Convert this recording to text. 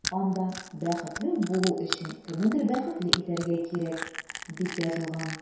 Анда “Бәхетле булу өчен кемнедер бәхетле итәргә кирәк”, дип язылган.